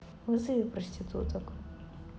вызови проституток